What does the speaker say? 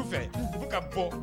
B'u fɛ u bɛ ka bɔ